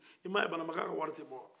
i m'a ye bananbaka ka wari tɛ bɔ wa